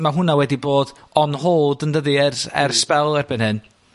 ma' hwnna wedi bod on hold yndydi ers ers sbel erbyn hyn.